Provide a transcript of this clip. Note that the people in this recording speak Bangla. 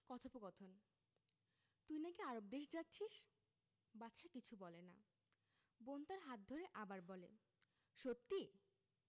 কথোপকথন তুই নাকি আরব দেশে যাচ্ছিস বাদশা কিছু বলে না বোন তার হাত ধরে আবার বলে সত্যি